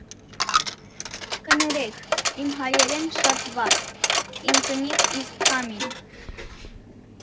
Կներեք, իմ հայերեն շատ վատ, իմ կնիկ իզ քամինգ։